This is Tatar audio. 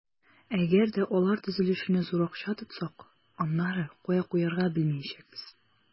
Әгәр дә алар төзелешенә зур акча тотсак, аннары кая куярга белмәячәкбез.